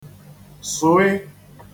sụ̀yị